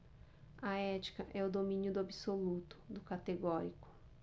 a ética é o domínio do absoluto do categórico